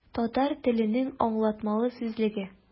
Татар теленең аңлатмалы сүзлеге.